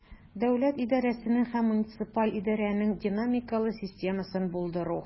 Дәүләт идарәсенең һәм муниципаль идарәнең динамикалы системасын булдыру.